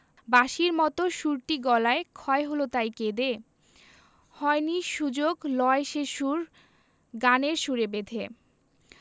বাঁশির মতো সুরটি গলায় ক্ষয় হল তাই কেঁদে হয়নি সুযোগ লয় সে সুর গানের সুরে বেঁধে